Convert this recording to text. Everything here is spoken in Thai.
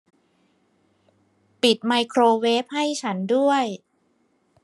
ปิดไมโครเวฟให้ฉันด้วย